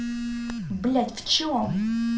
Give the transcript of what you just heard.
блядь в чем